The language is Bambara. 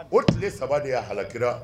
O kile 3 de a halakira